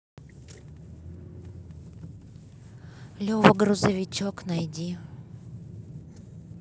лева грузовичок найди